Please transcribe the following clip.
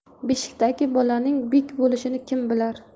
beshikdagi bolaning bek bo'lishini kim bilar